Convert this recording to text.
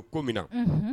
A ko minna na